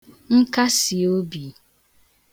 nkasìobì